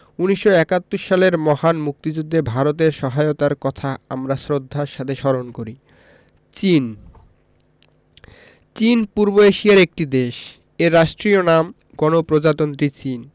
১৯৭১ সালের মহান মুক্তিযুদ্ধে ভারতের সহায়তার কথা আমরা শ্রদ্ধার সাথে স্মরণ করি চীনঃ চীন পূর্ব এশিয়ার একটি দেশ এর রাষ্ট্রীয় নাম গণপ্রজাতন্ত্রী চীন